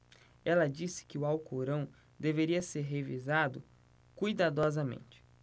ela disse que o alcorão deveria ser revisado cuidadosamente